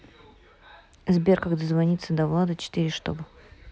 сбер как дозвониться до влада четыре чтоб